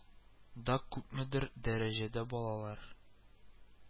Да күпмедер дәрәҗәдә балалар